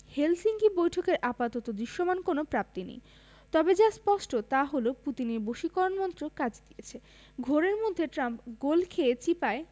Helsinki বৈঠকের আপাতত দৃশ্যমান কোনো প্রাপ্তি নেই তবে যা স্পষ্ট তা হলো পুতিনের বশীকরণ মন্ত্র কাজ দিয়েছে ঘোরের মধ্যে ট্রাম্প গোল খেয়ে চিপায়